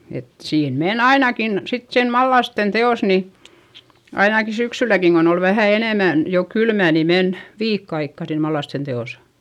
että siinä meni ainakin sitten siinä mallasten teossa niin ainakin syksylläkin kun oli vähän enemmän jo kylmä niin meni viikko aikaa siinä mallasten teossa